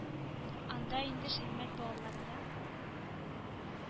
Анда инде Шәммәт балаларына